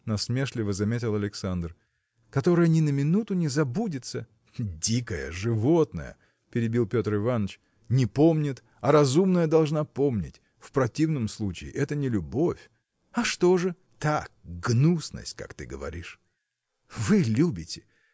– насмешливо заметил Александр, – которая ни на минуту не забудется. – Дикая животная – перебил Петр Иваныч – не помнит а разумная должна помнить в противном случае это не любовь. – А что же?. – Так, гнусность, как ты говоришь. – Вы. любите!